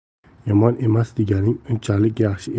yomon emas deganing unchalik yaxshi